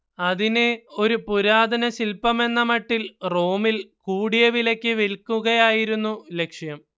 അതിനെ ഒരു പുരാതനശില്പമെന്നമട്ടിൽ റോമിൽ കൂടിയ വിലക്ക് വിൽക്കുകയായിരുന്നു ലക്ഷ്യം